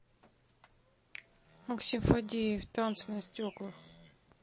максим фадеев танцы на стеклах